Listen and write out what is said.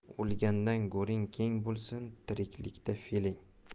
o'lganda go'ring keng bo'lsin tiriklikda fe'ling